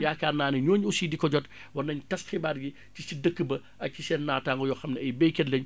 yaakaar naa ne ñooñu aussi di ko jot war nañu tas xibaar yi si dëkk ba ak si seen naataango yoo xam ne ay baykat lañ